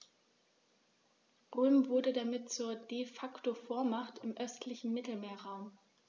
Rom wurde damit zur ‚De-Facto-Vormacht‘ im östlichen Mittelmeerraum.